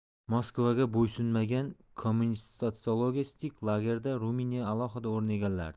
moskvaga bo'ysunmagan kommunistsotsialistik lagerda ruminiya alohida o'rin egallardi